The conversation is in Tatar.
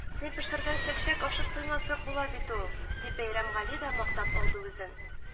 Син пешергән чәкчәк ашап туймаслык була бит ул, — дип, Бәйрәмгали дә мактап алды үзен